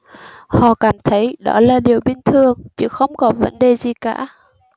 họ cảm thấy đó là điểu bình thường chứ không có vấn đề gì cả